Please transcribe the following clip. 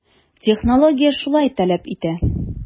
Технология шулай таләп итә.